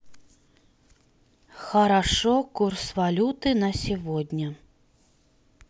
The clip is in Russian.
хорошо курс валюты на сегодня